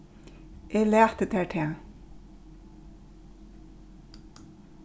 eg lati tær tað